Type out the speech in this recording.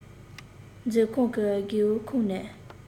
མཛོད ཁང གི སྒེའུ ཁུང ནས